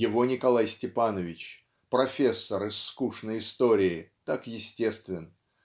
его Николай Степанович, профессор из "Скучной истории", так естествен